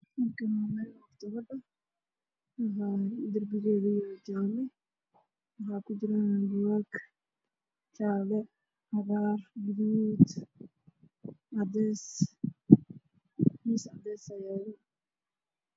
Meeshaan waa maktabad buugaag badan ayaalaan